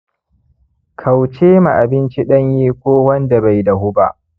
kaucema abinci ɗanye ko wanda bai dahu ba